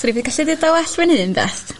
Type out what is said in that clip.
'Swn i ddim 'di gallu deud o'n well fy hun de.